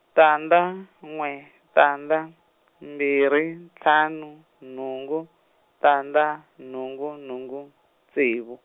tandza, n'we, tandza, mbirhi, ntlhanu, nhungu, tandza, nhungu nhungu, ntsevu.